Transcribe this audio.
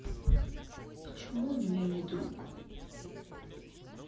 почему у меня не друг